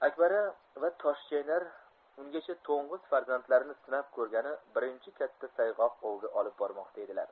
akbara va toshchaynar ungacha to'ng'ich farzandlarini sinab ko'rgani birinchi katta sayg'oq oviga olib bormoqda edilar